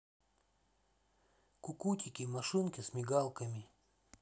кукутики машинки с мигалками